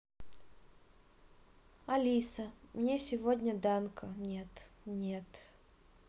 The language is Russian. алиса мне сегодня данко нет нет